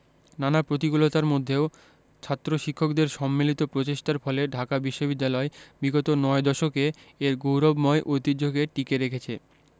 নানা প্রতিকূলতার মধ্যেও ছাত্র শিক্ষকদের সম্মিলিত প্রচেষ্টার ফলে ঢাকা বিশ্ববিদ্যালয় বিগত নয় দশকে এর গৌরবময় ঐতিহ্যকে টিকিয়ে রেখেছে